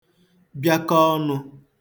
bịakọ ọnụ̄